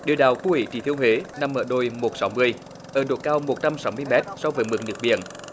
địa đạo khu ủy trị thiên huế nằm ở đồi một sáu mươi từ độ cao một trăm sáu mươi mét so với mực nước biển